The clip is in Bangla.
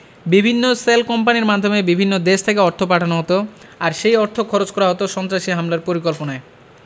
বিভিন্ন শেল কোম্পানির মাধ্যমে বিভিন্ন দেশ থেকে অর্থ পাঠানো হতো আর সেই অর্থ খরচ করা হতো সন্ত্রাসী হামলার পরিকল্পনায়